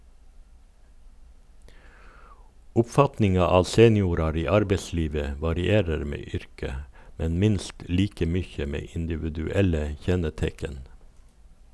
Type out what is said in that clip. Oppfatninga av seniorar i arbeidslivet varierer med yrke, men minst like mykje med individuelle kjenneteikn.